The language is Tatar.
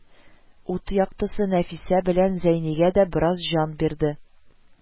Ут яктысы Нәфисә белән Зәйнигә дә бераз җан бирде